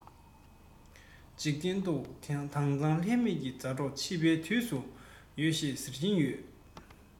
འཇིག རྟེན ཐོག དྭངས གཙང ལྷད མེད ཀྱི མཛའ གྲོགས བྱིས པའི དུས སུ ཡོད ཞེས ཟེར གྱིན ཡོད